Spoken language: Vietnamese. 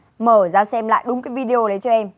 mở ra xem lại đúng cái vi đi ô đấy cho em